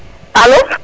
alo